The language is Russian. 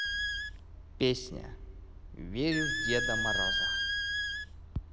песня верю в деда мороза